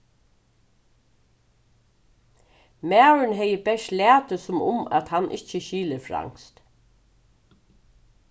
maðurin hevði bert latið sum um at hann ikki skilir franskt